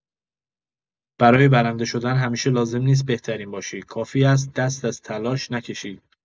برای برنده شدن همیشه لازم نیست بهترین باشی، کافی است دست از تلاش نکشی.